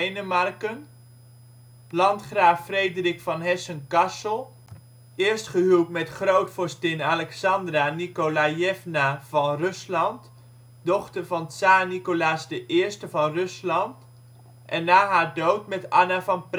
Denemarken landgraaf Frederik van Hessen-Kassel (1820-1864), eerst gehuwd met grootvorstin Alexandra Nikolajevna van Rusland, dochter van tsaar Nicolaas I van Rusland en na haar dood met Anna van